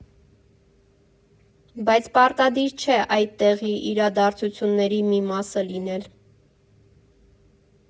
Բայց պարտադիր չէ այդ տեղի ու իրադարձությունների մի մասը լինել։